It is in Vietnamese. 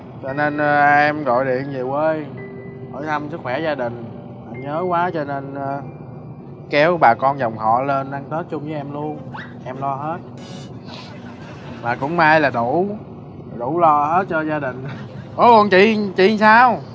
cho nên em gọi điện về quê hỏi thăm sức khỏe gia đình nhớ quá cho nên kéo bà con dòng họ lên ăn tết chung với em luôn em lo hết mà cũng may là đủ đủ lo hết cho gia đình ô chứ còn chị chị thì sao